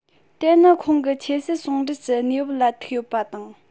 དེ ནི ཁོང གི ཆོས སྲིད ཟུང འབྲེལ གྱི གནས བབ ལ ཐུག ཡོད པ དང